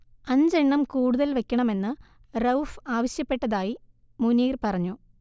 അഞ്ചെണ്ണം കൂടുതൽ വയ്ക്കണമെന്ന് റഊഫ് ആവശ്യപ്പെട്ടതായി മുനീർ പറഞ്ഞു